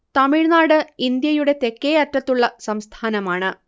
തമിഴ്നാട് ഇന്ത്യയുടെ തെക്കേയറ്റത്തുള്ള സംസ്ഥാനമാണ്